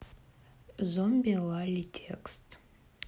zombie лали текст